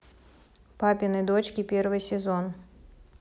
папины дочки первый сезон